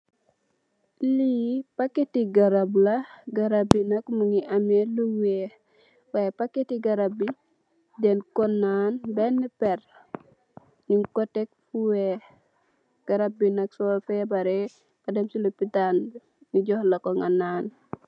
Le paket ti garap la.garap bi nak mugi ameh lu weyh. Why packet garap bi nak den ko nan beni perl yu ko tek fu weyh garab bi nak sure febare ga dem ci lopitan bi nyu jolako gai nan.